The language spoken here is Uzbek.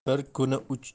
bir kuni uch